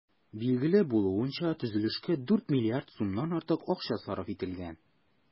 Билгеле булуынча, төзелешкә 4 миллиард сумнан артык акча сарыф ителгән.